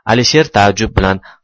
alisher taajjub bilan